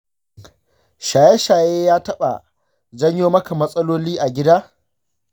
shin shaye-shaye ya taɓa janyo maka matsaloli a gida?